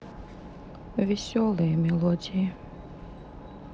веселые мелодии